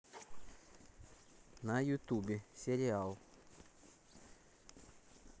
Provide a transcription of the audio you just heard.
на ютубе сериал